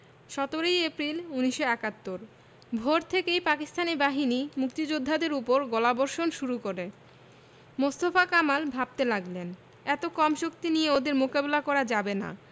১৭ April ১৯৭১ ভোর থেকেই পাকিস্তানি বাহিনী মুক্তিযোদ্ধাদের উপর গোলাবর্ষণ শুরু করল মোস্তফা কামাল ভাবতে লাগলেন এত কম শক্তি নিয়ে ওদের মোকাবিলা করা যাবে না